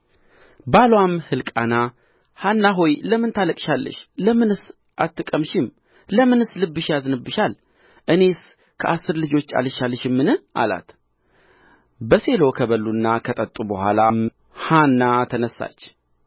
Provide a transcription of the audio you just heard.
ባልዋም ሕልቃና ሐና ሆይ ለምን ታለቅሻለሽ ለምንስ አትቀምሺም ለምንስ ልብሽ ያዝንብሻል እኔስ ከአሥር ልጆች አልሻልልሽምን አላት በሴሎ ከበሉና ከጠጡ በኋላ ሐና ተነሣች